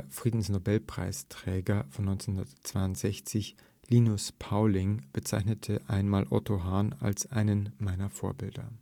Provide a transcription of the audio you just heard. Friedensnobelpreisträger von 1962 Linus Pauling, bezeichnete einmal Otto Hahn als „ eines meiner Vorbilder